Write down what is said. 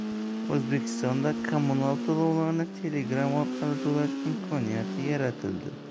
o'zbekistonda kommunal to'lovlarni telegram orqali to'lash imkoniyati yaratildi